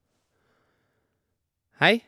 Hei.